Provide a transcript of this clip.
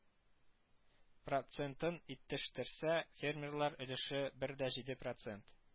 Процентын итештерсә, фермерлар өлеше бер дә җиде процент